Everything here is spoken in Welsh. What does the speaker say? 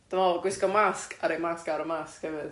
Dwi'n meddwl gwisgo masg a roid masg ar y masg hefyd.